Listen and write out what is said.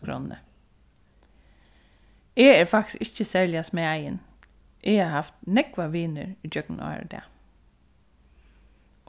skránni eg eri faktiskt ikki serliga smæðin eg havi havt nógvar vinir ígjøgnum ár og dag